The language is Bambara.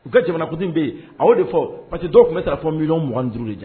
U ka jamanakunfin bɛ yen a o de fɔ pa que dɔw tun bɛ taa' fɔ mi mɔgɔugan duuruuru de jan